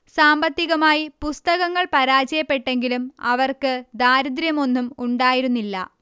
സാമ്പത്തികമായി പുസ്തകങ്ങൾ പരാജയപ്പെട്ടെങ്കിലും അവർക്ക് ദാരിദ്ര്യമൊന്നും ഉണ്ടായിരുന്നില്ല